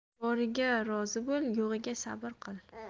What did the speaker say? boriga rozi bo'l yo'g'iga sabr qil